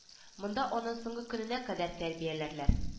Монда аны соңгы көненә кадәр тәрбияләрләр